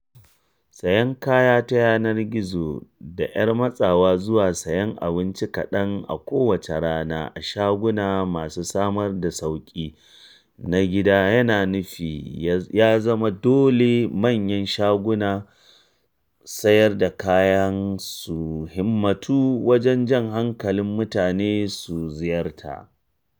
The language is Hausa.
Sayan kaya ta yanar gizo da ‘yar matsawa zuwa sayan abinci kaɗan a kowace rana a shaguna masu samar da sauki na gida yana nufi ya zama dole manyan shagunan sayar da kayan su himmatu wajen jan hankalin mutane su ziyarta.